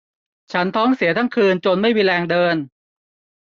ฉันท้องเสียทั้งคืนจนไม่มีแรงเดิน